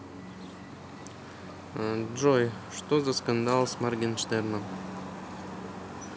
джой что за скандал с моргенштерном